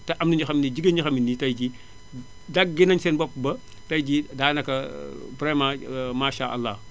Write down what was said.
te am na ñoo xam ne nii jigéen ñoo xam ne nii tay jii dàggi nañu seen bopp ba tay jii daanaka vraiment maasaa àllaa